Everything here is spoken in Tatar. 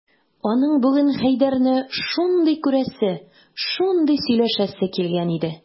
Аның бүген Хәйдәрне шундый күрәсе, шундый сөйләшәсе килгән иде...